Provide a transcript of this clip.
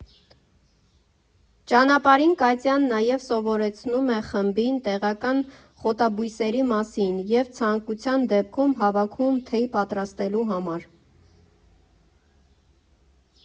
Ճանապարհին Կատյան նաև սովորեցնում է խմբին տեղական խոտաբույսերի մասին և ցանկության դեպքում հավաքում թեյ պատրաստելու համար։